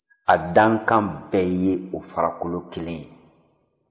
a dankan bɛɛ ye o farakolo kelen ye